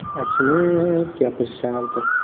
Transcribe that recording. achinib gapirishardi